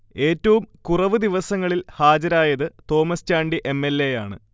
ഏറ്റവും കുറവ് ദിവസങ്ങളിൽ ഹാജരായത് Thomas Chandy M. L. A. യാണ്